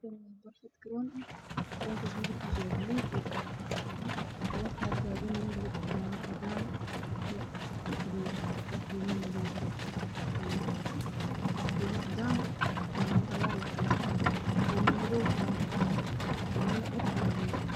Halkaan waa barxad garoon ah midabkiisu waa buluug iyo cagaar, waxaa taagan wiil wato fanaanad cadaan iyo surwaal madow ah, fanaanad cadaan iyo madow ah iyo buume madow ah, buume cadaan iyo fanaanad cadaan iyo cagaar ah, fanaanad madow iyo buume cadaan ah.